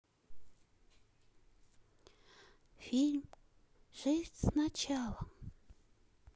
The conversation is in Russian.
фильм жизнь сначала